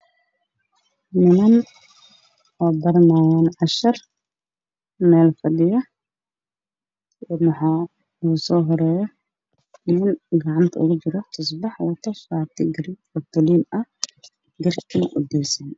Waa niman waaweyn oo iskool fadhiyaan waxa ay wataan shaatiif sheeri ah kuraas ayay ku fadhiyaan jaala